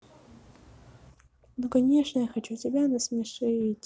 ну конечно я хочу тебя насмешить